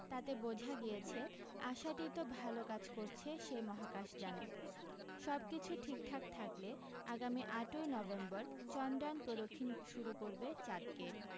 তাতে বোঝা গিয়েছে আশাতীত ভাল কাজ করছে সেই মহাকাশযান সবকিছু ঠিকঠাক থাকলে আগামী আটই নভেম্বর চন্দ্র্যান প্রদক্ষিণ শুরু করবে চাঁদকে